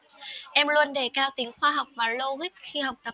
em luôn đề cao tính khoa học và logic khi học tập